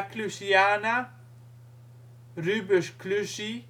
clusiana Rubus clusii